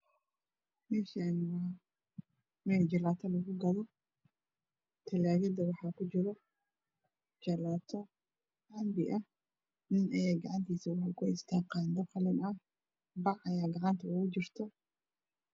Meeshaani waa meel jalaato lagu gado talaagafa waxaa ku jiro jalaato canbi ah nin ayaa gacntiisa wuxuu ku yastaa qaando qalin ah bac ayaa gacanta oogu jirto